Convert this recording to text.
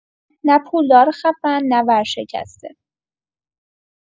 نه پولدار خفن، نه ورشکسته.